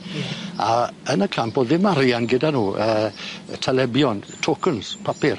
Ie. A yn y camp o'dd ddim arian gyda nw yy y talebion, tokens, papur.